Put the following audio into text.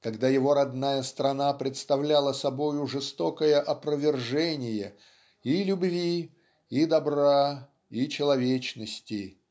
когда его родная страна представляла собою жестокое опровержение и любви и добра и человечности